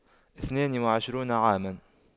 اثنان وعشرون عاما